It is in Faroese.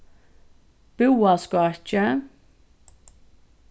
búðaskákið